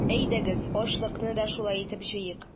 Әйдәгез, ашлыкны да шулай итеп җыйыйк!